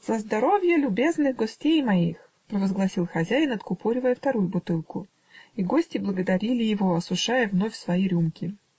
"За здоровье любезных гостей моих!" -- провозгласил хозяин, откупоривая вторую бутылку -- и гости благодарили его, осушая вновь свои рюмки.